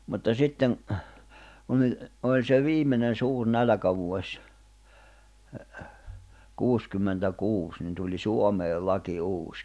mutta sitten kun oli oli se viimeinen suuri nälkävuosi kuusikymmentäkuusi niin tuli Suomeen laki uusi